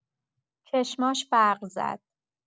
چشماش برق زد.